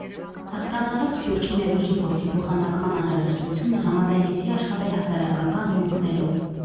Հասկանալով Սփյուռքի ներուժի փորձի փոխանակման անհրաժեշտությունը՝ համաձայնեցի աշխատել հասարակական հիմունքներով։